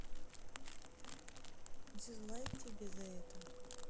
дизлайк тебе за это